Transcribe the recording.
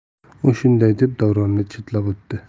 u shunday deb davronni chetlab o'tdi